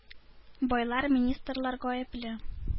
Байлар, министрлар гаепле.